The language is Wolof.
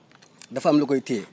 dafa am lu koy téye